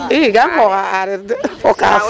i ga nqooxaq a areer de fo kaaf.